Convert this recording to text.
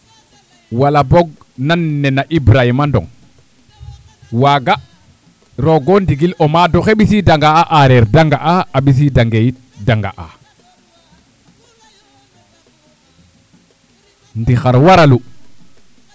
waala boog nand nena Ibrahima Ndong waaga roog o ndigil o maad oxe mbisiidanga a aareer de nga'a a ɓisiidangee yit de nga'aa ndi xar waralu